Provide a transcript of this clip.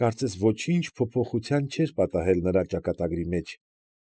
Կարծես ոչինչ փոփոխություն չէր պատահել նրա ճակատագրի մեջ։